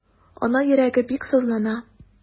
Ана йөрәге бик сызлана.